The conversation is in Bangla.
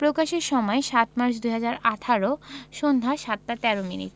প্রকাশের সময় ০৭মার্চ ২০১৮ সন্ধ্যা ৭টা ১৩ মিনিট